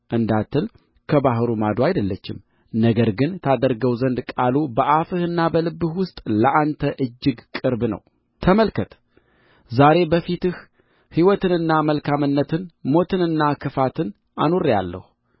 እንዳትል ከባሕሩ ማዶ አይደለችም ነገር ግን ታደርገው ዘንድ ቃሉ በአፍህና በልብህ ውስጥ ለአንተ እጅግ ቅርብ ነው ተመልከት ዛሬ በፊትህ ሕይወትንና መልካምነትን ሞትንና ክፋትን አኑሬአለሁ